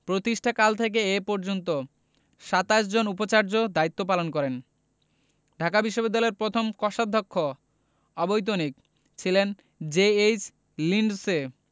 প্রতিষ্ঠাকাল থেকে এ পর্যন্ত ২৭ জন উপাচার্য দায়িত্ব পালন করেন ঢাকা বিশ্ববিদ্যালয়ের প্রথম কোষাধ্যক্ষ অবৈতনিক ছিলেন জে.এইচ লিন্ডসে